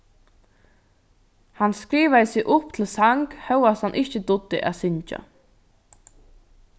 hann skrivaði seg upp til sang hóast hann ikki dugdi at syngja